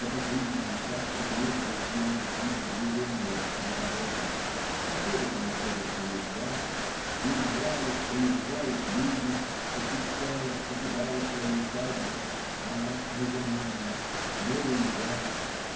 Эта жизнь часто грезилась ему в виде движения или дороги приходят и уходят поезда уезжают приезжают люди посещая покидая свои усадьбы дома с мезонинами новые дачи